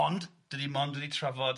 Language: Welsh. Ond dan ni mond wedi trafod